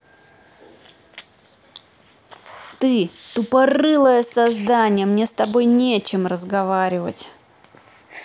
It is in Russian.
ты тупорылое создание мне с тобой не чем разговаривать